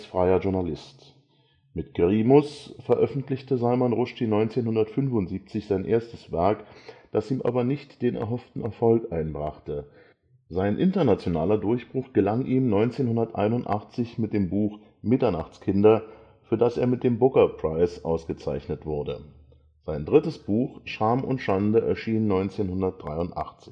freier Journalist. Mit Grimus veröffentlichte Salman Rushdie 1975 sein erstes Werk, das ihm aber nicht den erhofften Erfolg einbrachte. Sein internationaler Durchbruch gelang ihm 1981 mit dem Buch Mitternachtskinder, für das er mit dem Booker-Preis ausgezeichnet wurde. Sein drittes Buch Scham und Schande erschien 1983